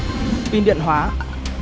pin điện hóa